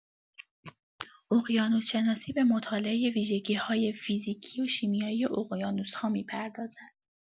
اقیانوس‌شناسی به مطالعه ویژگی‌های فیزیکی و شیمیایی اقیانوس‌ها می‌پردازد.